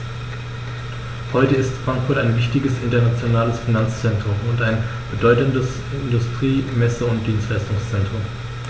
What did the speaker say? Heute ist Frankfurt ein wichtiges, internationales Finanzzentrum und ein bedeutendes Industrie-, Messe- und Dienstleistungszentrum.